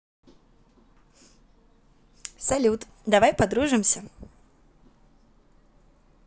салют давай подружимся